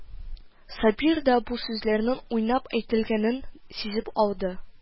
Сабир да бу сүзләрнең уйнап әйтелгәнен сизеп алды